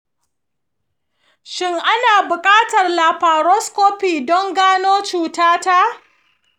shin ana buƙatar laparoscopy don gano cutata?